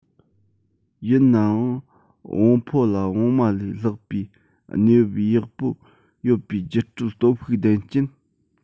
ཡིན ནའང བོང ཕོ ལ བོང མ ལས ལྷག པའི གནས བབ ཡག པོ ཡོད པའི བརྒྱུད སྤྲོད སྟོབས ཤུགས ལྡན རྐྱེན